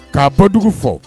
K'a bɔd fɔ